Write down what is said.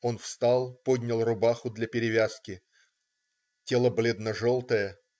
Он встал, поднял рубаху для перевязки. Тело бледно-желтое.